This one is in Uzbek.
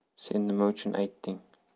sen nima uchun aytding